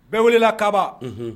Bɛɛ welela Kaba.